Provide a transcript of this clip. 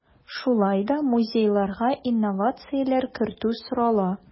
Шулай да музейларга инновацияләр кертү сорала.